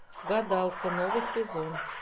гадалка новый сезон